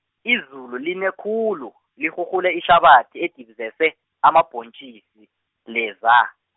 izulu line khulu, lirhurhule ihlabathi edibizese, amabhontjisi, leza.